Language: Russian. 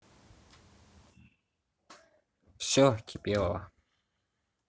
все кипелова